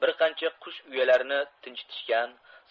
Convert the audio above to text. bir qancha qush uyalarini tintishgan